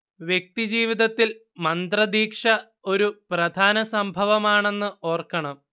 വ്യക്തി ജീവിതത്തിൽ മന്ത്രദീക്ഷ ഒരു പ്രധാന സംഭവമാണെന്ന് ഓർക്കണം